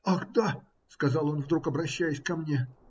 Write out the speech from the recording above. - Ах, да, - сказал он вдруг, обращаясь ко мне